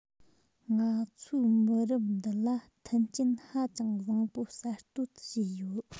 ང ཚོའི མི རབས འདི ལ མཐུན རྐྱེན ཧ ཅང བཟང པོ གསར གཏོད བྱས ཡོད